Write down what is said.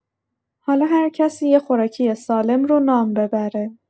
حالا هرکسی یه خوراکی سالم رو نام ببره.